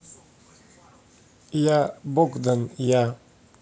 я богдан я